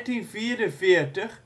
In 1344